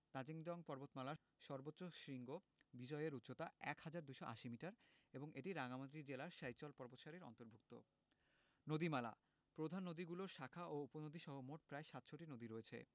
তাজিং ডং পর্বতমালার সর্বোচ্চ শৃঙ্গ বিজয় এর উচ্চতা ১হাজার ২৮০ মিটার এবং এটি রাঙ্গামাটি জেলার সাইচল পর্বতসারির অন্তর্ভূক্ত নদীমালাঃ প্রধান নদীগুলোর শাখা ও উপনদীসহ মোট প্রায় ৭০০ নদী রয়েছে